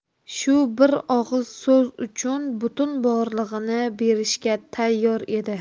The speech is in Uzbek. shu bir og'iz so'z uchun butun borlig'ini berishga tayyor edi